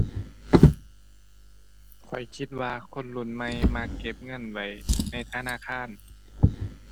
ข้อยคิดว่าคนรุ่นใหม่มักเก็บเงินไว้ในธนาคาร